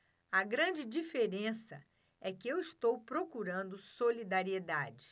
a grande diferença é que eu estou procurando solidariedade